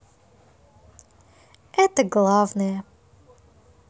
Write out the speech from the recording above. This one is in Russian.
это главное